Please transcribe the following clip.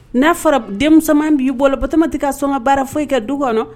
N'a fɔra denmuso b'i bɔ bato tɛ ka sɔn ka baara foyi i ka du kɔnɔ